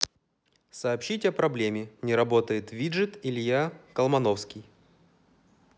сообщить о проблеме не работает виджет илья колмановский